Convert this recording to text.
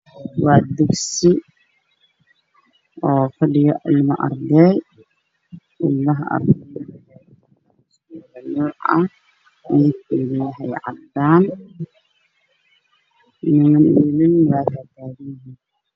Waa meel wax lagu baranaayo waxaa ii muuqda wiilal wataan shaatiyo caddaan iyo kuwa taagan sabuurada cadaan ayey wax ku baranayaan